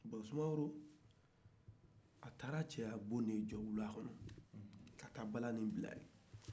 bon soumaworo taara cɛ ya fo de jɔ wula kɔnɔ ka taa bala'in bila yen